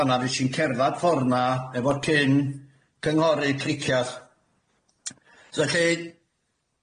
yn fan'na fues i'n cerddad ffor'na efo cyn-cynghorydd Cricieth.